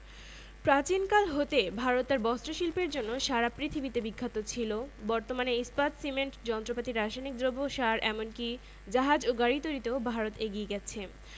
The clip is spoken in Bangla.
প্রাচীনকাল হতে ভারত তার বস্ত্রশিল্পের জন্য সারা পৃথিবীতে বিখ্যাত ছিল বর্তমানে ইস্পাত সিমেন্ট যন্ত্রপাতি রাসায়নিক দ্রব্য সার এমন কি জাহাজ ও গাড়ি তৈরিতেও ভারত এগিয়ে গেছে